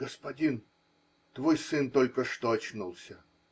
-- Господин, твой сын только что очнулся.